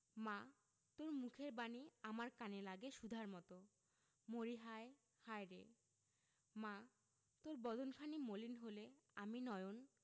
মা তোর মুখের বাণী আমার কানে লাগে সুধার মতো মরিহায় হায়রে মা তোর বদন খানি মলিন হলে ওমা আমি নয়ন